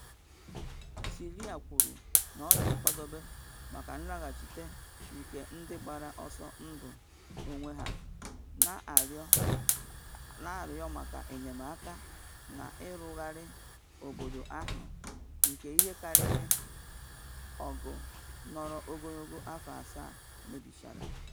Syria kwuru na ọ dị nkwadobe maka nlaghachite nke ndị gbara ọsọ ndụ n’onwe ha, na arịọ maka enyemaka na ịrụgharị obodo ahụ nke ihe karịrị ọgụ nọrọ ogologo afọ asaa mebichara.